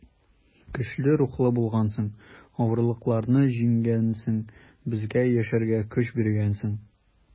Көчле рухлы булгансың, авырлыкларны җиңгәнсең, безгә яшәргә көч биргәнсең.